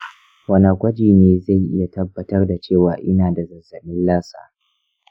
wane gwaji ne zai iya tabbatar da cewa ina da zazzabin lassa?